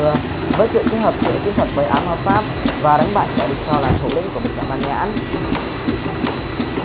với sự kết hợp giữa kiếm thuật với ám ma pháp và đánh bại kẻ được cho là thủ lĩnh của bạch da ma nhãn